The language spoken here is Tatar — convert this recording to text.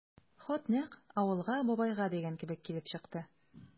Хат нәкъ «Авылга, бабайга» дигән кебек килеп чыкты.